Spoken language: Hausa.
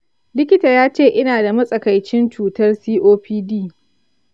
likita ya ce ina da matsakaici cutar copd.